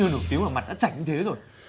chưa nổi tiếng mà mặt đã chảnh thế rồi